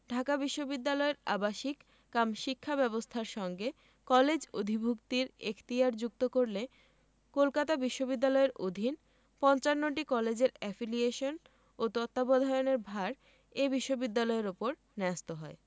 ঢাকা বিশ্ববিদ্যালয়ের আবাসিক কাম শিক্ষা ব্যবস্থার সঙ্গে কলেজ অধিভুক্তির এখতিয়ার যুক্ত করলে কলকাতা বিশ্ববিদ্যালয়ের অধীন ৫৫টি কলেজের এফিলিয়েশন ও তত্ত্বাবধানের ভার এ বিশ্ববিদ্যালয়ের ওপর ন্যস্ত হয়